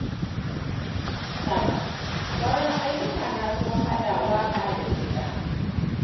Keyti: Sauran ayyuka na sun haɗa waƙa da kiɗa.